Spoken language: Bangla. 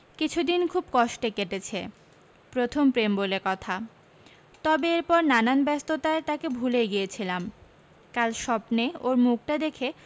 কিছুদিন খুব কষ্টে কেটেছে প্রথম প্রেম বলে কথা তবে এরপর নানান ব্যস্ততায় তাকে ভুলেই গিয়েছিলাম কাল স্বপ্নে ওর মুখটা দেখে